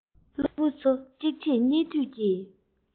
སློབ བུ ཚོ གཅིག རྗེས གཉིས མཐུད